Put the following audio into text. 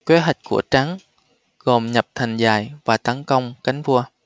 kế hoạch của trắng gồm nhập thành dài và tấn công cánh vua